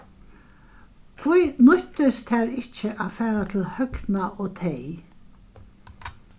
hví nýttist tær ikki at fara til høgna og tey